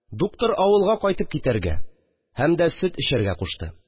Доктор авылга кайтып китәргә һәм дә сөт эчәргә кушты